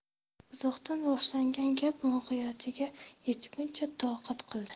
uzoqdan boshlangan gap mohiyatiga yetguncha toqat qildi